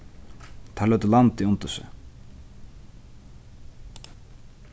teir løgdu landið undir seg